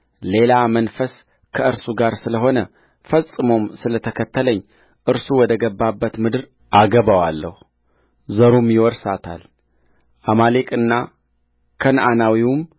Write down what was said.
ሌላ መንፈስ ከእርሱ ጋር ስለ ሆነ ፈጽሞም ስለተከተለኝ እርሱ ወደ ገባባት ምድር አገባዋለሁ ዘሩም ይወርሳታልአማሌቅና ከነዓናዊውም